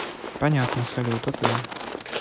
понятно салют а ты